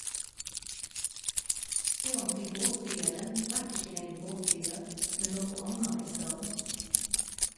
Son til båtbyggjaren vert ikkje lenger båtbyggjar, men noko anna i staden.